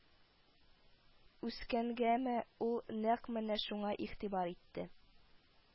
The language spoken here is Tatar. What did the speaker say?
Үскәнгәме, ул нәкъ менә шуңа игътибар итте